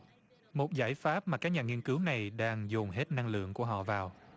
một giải pháp mà các nhà nghiên cứu này đang dồn hết năng lượng của họ vào